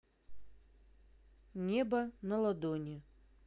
небо на ладони